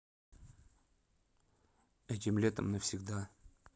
этим летом навсегда